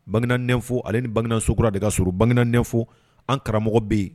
Bangenfo ani ni bangegsokurara de kasɔrɔbangenfo an karamɔgɔ bɛ yen